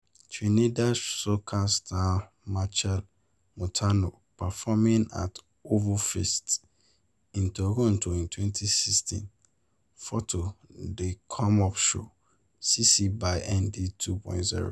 Trinidadian soca star Machel Montano performing at OVO Fest in Toronto in 2016. PHOTO: The Come Up Show (CC BY-ND 2.0)